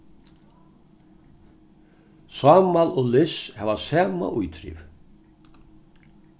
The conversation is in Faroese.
sámal og lis hava sama ítriv